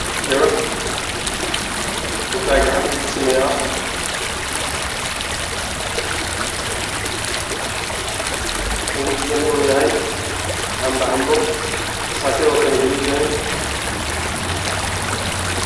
Halkaan waxaa ka muuqdo sawir farshaxan ah oo islaan oo qabto gabasaar iyo Dirac gaduudan